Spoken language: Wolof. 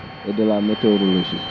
et de la météorologie